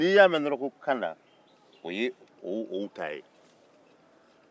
n'i y'a mɛn dɔrɔn ko kanda o ye olu ta ye